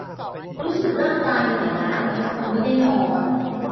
รู้สึกร่างกายเหนื่อยล้าเหมือนคนไม่ได้นอน